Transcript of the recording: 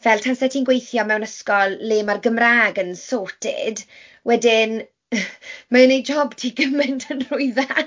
Fel, taset ti'n gweithio mewn ysgol le ma'r Gymraeg yn sorted wedyn , mae e'n wneud job ti gymaint yn rhwyddach.